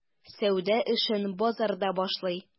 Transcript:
Сәүдә эшен базарда башлый.